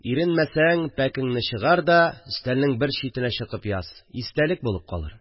Иренмәсәң – пәкеңне чыгар да өстәлнең бер читенә чокып яз. Истәлек булып калыр